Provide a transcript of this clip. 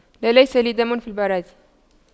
لا ليس لي دم في البراز